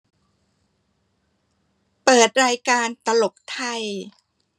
เปิดรายการตลกไทย